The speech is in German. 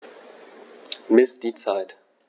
Miss die Zeit.